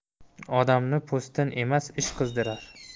odamni po'stin emas ish qizdirar